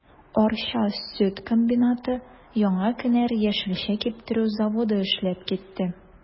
Арча сөт комбинаты, Яңа кенәр яшелчә киптерү заводы эшләп китте.